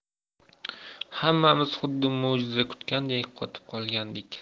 hammamiz xuddi mo'jiza kutgandek qotib qolgandik